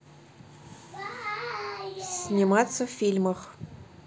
сниматься в фильмах